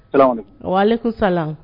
Paul wa sa